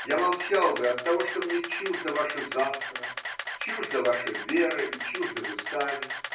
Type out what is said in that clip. Я молчал бы оттого, что мне чуждо ваше завтра, чужда ваша вера и чужды вы сами.